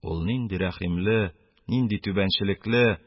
Ул нинди рәхимле, нинди түбәнчелекле...